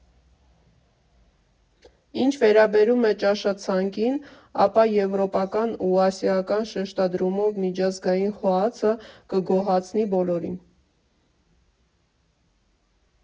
Ինչ վերաբերում է ճաշացանկին, ապա եվրոպական ու ասիական շեշտադրումով միջազգային խոհացը կգոհացնի բոլորին։